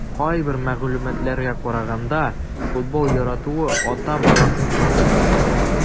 Кайбер мәгълүматларга караганда, футбол яратуы ата-бабасыннан ук килә.